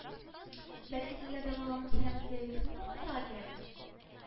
Бәлки сезгә дәваланып сәламәтлегегезне ныгытырга кирәктер